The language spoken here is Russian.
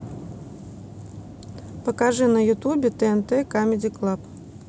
покажи на ютюбе тнт камеди клаб